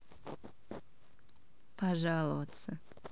пожаловаться